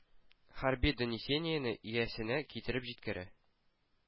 Хәрби донесениене иясенә китереп җиткерә.